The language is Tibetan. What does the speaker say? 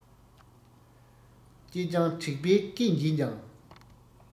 ཅེ སྤྱང དྲེགས པས སྐད འབྱིན ཡང